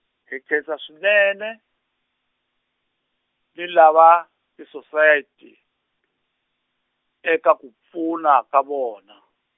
hi nkhensa swinene, ni lava va tisosayiti, eka ku pfuna ka vona.